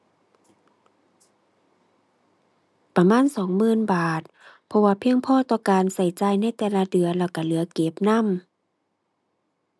ประมาณสองหมื่นบาท เพราะว่าเพียงพอต่อการใช้จ่ายในแต่ละเดือนแล้วใช้เหลือเก็บนำ